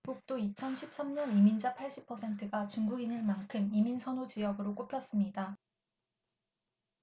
미국도 이천 십 삼 년 이민자 팔십 퍼센트가 중국인일 만큼 이민 선호 지역으로 꼽혔습니다